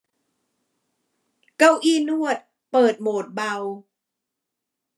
เก้าอี้นวดเปิดโหมดเบา